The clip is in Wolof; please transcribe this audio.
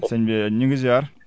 sëñ bi ñu ngi ziar